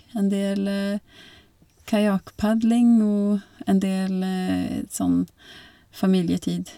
En del kajakpadling og en del sånn familietid.